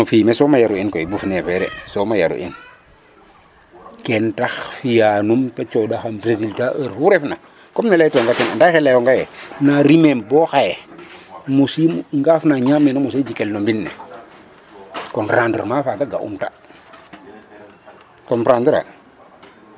No fumier soom a yaru in koy buf nefere som a yaru in kan tax fi'anum ta cooxaxam résultat heure fu refna comme ne laytonga o ten rek anda ye xe layonge ye na rimem bo xaye mosiim ngaaf na ñaamena mosee o jikel mbind ne con rendement faaga ga'um ta comprendre.